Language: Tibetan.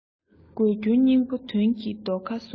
དགོས རྒྱུའི སྙིང པོ དོན གྱི རྡོ ཁ གསུམ